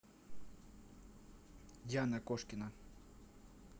яна кошкина